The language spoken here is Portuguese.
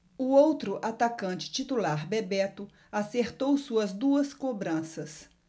o outro atacante titular bebeto acertou suas duas cobranças